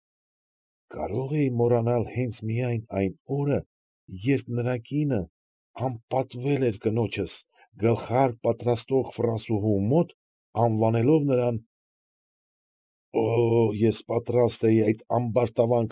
Կարո՞ղ էի մոռանալ հենց միայն այն օրը, երբ նրա կի՛նը անպատվել էր կնոջս գլխարկ պատրաստող ֆրանսուհու մոտ, անվանելով նրան… Օ՜օ, ես պատրաստ էի այդ ամբարտավան։